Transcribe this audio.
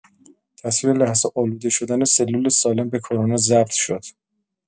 تصویر لحظه آلوده شدن سلول سالم به کرونا ضبط شد.